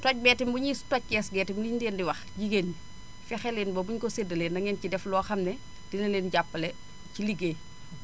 toj bee itam bu ñuy kees gee itam li ñu leen di wax jigéen ñi fexe leen ba bu ñu ko séddalee na ngeen ci def loo xam ne dina leen jàppale ci liggéey